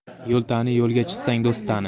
yo'l tani yo'lga chiqsang do'st tani